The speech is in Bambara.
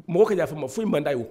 Mɔgɔ ka y'a fɔ ma foyi man da y u kan